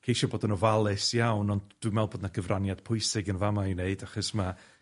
ceisio bod yn ofalus iawn ond dwi me'wl bo' 'na gyfraniad pwysig yn fa' 'ma i neud achos ma'